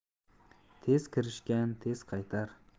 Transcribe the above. tez kirishgan tez qaytar